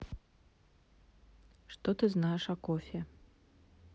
что ты знаешь о кофе